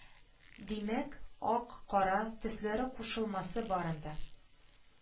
Димәк, ак, кара төсләре кушылмасы бар анда